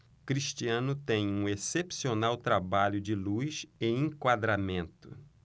cristiano tem um excepcional trabalho de luz e enquadramento